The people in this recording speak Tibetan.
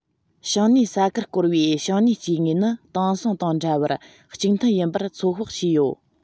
བྱང སྣེའི ས ཁུལ བསྐོར པའི བྱང སྣེའི སྐྱེ དངོས ནི དེང སང དང འདྲ བར གཅིག མཐུན ཡིན པར ཚོད དཔག བྱས ཡོད